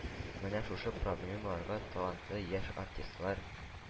Менә шушы проблемаларга талантлы яшь артистлар,